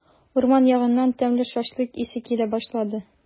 Урман ягыннан тәмле шашлык исе килә башлады.